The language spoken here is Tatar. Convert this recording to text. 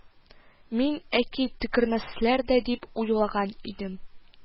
Мин, әки, төкермәсләр дә дип уйлаган идем